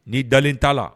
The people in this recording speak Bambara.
N'i da t ta la